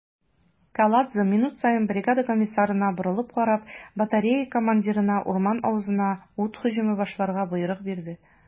Каладзе, минут саен бригада комиссарына борылып карап, батарея командирына урман авызына ут һөҗүме башларга боерык бирде.